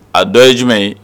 A dɔ ye jumɛn ye